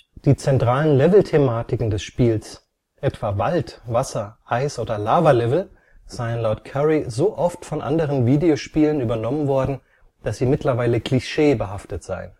Die zentralen Levelthematiken des Spiels, etwa Wald -, Wasser -, Eis - oder Lava-Level, seien laut Curry so oft von anderen Videospielen übernommen worden, dass sie mittlerweile klischeebehaftet seien